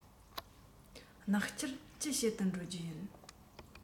ནག ཆུར ཅི བྱེད དུ འགྲོ རྒྱུ ཡིན